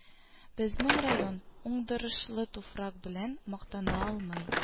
Безнең район уңдырышлы туфрак белән мактана алмый